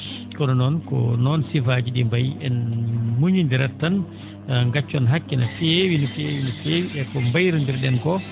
kono noon ko noon sifaaji ?ii mbayi en muñidirat tan gaccon hakke no feewi no feewi no feewi e ko mbayronndir?en ko